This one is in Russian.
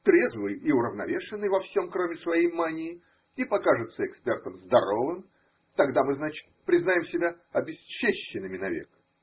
трезвый и уравновешенный во всем, кроме своей мании, и покажется экспертам здоровым, тогда мы, значит, признаем себя обесчещенными навек?